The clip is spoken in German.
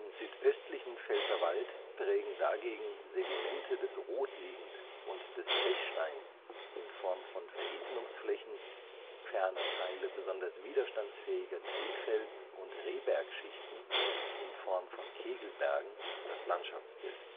südöstlichen Pfälzerwald prägen dagegen Sedimente des Rotliegend und des Zechsteins (Verebnungsflächen), ferner Teile besonders widerstandsfähiger Trifels - und Rehbergschichten (Kegelberge) das Landschaftsbild